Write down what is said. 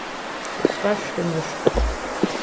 tað er svart í mjørka